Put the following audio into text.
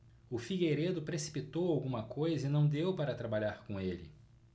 o figueiredo precipitou alguma coisa e não deu para trabalhar com ele